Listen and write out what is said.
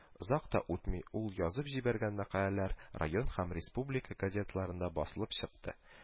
Озак та үтми ул язып җибәргән мәкаләләр район һәм республика газеталарында басылып чыкты